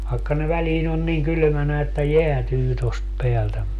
vaikka ne väliin on niin kylmänä että jäätyy tuosta päältä mutta